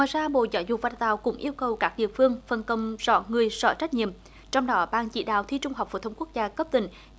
ra bộ giáo dục và đào tạo cũng yêu cầu các địa phương phân công rõ người rõ trách nhiệm trong đó ban chỉ đạo thi trung học phổ thông quốc gia cấp tỉnh